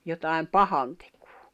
jotakin pahantekoa